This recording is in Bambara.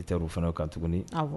I tɛr u fana kan tuguni